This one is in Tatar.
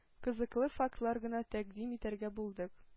Кызыклы фактлар гына тәкъдим итәргә булдык.